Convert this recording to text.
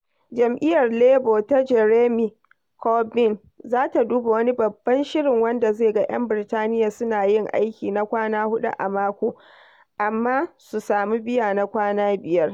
Jam'iyyar Labour ta Jeremy Corbyn za ta duba wani babban shirin wanda zai ga 'yan Birtaniyya suna yin aiki na kwana huɗu a mako - amma su sami biya na kwana biyar.